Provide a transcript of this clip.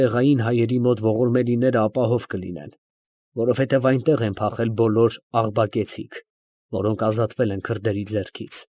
Տեղային հայերի մոտ ողորմելիները ապահով կլինեն, որովհետև այնտեղ են փախել բոլոր աղբակեցիք, որոնք ազատվել են քրդերի ձեռքից։